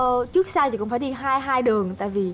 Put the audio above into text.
ờ trước sau gì cũng phải đi hai hai đường tại vì